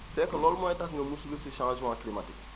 c' est que loolu mooy tax nga muslu si changement climatique